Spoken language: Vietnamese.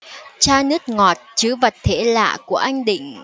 chai nước ngọt chứ vật thể lạ của anh định